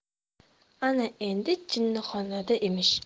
ana endi jinnixonada emish